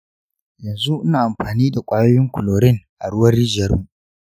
yanzu ina amfani da ƙwayoyin chlorine a ruwan rijiyarmu.